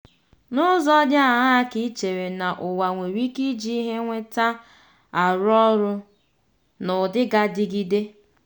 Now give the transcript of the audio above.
N'ụzọ dị aghaa ka ị chere ná ụwa nwere ike ịji ihe nweta arụ ọrụ n'ụdị ga-adịgide?